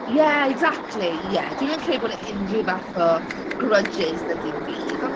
Ie exactly ie. Dwi'm yn credu bod 'na unrhyw fath o grudges 'na dim byd ond...